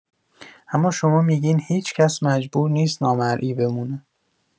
اما شما می‌گین هیچ‌کس مجبور نیست نامرئی بمونه.